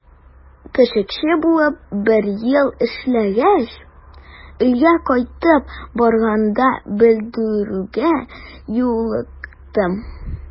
Пешекче булып бер ел эшләгәч, өйгә кайтып барганда белдерүгә юлыктым.